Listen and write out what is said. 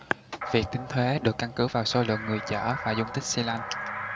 việc tính thuế được căn cứ vào số lượng người chở và dung tích xilanh